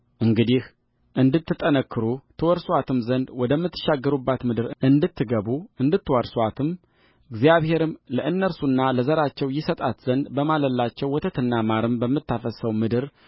እንግዲህ እንድትጠነክሩ ትወርሱአትም ዘንድ ወደምትሻገሩባት ምድር እንድትገቡ እንድትወርሱአትም እግዚአብሔርም ለእነርሱና ለዘራቸው ይሰጣት ዘንድ በማለላቸው ወተትና ማርም በምታፈስሰው ምድር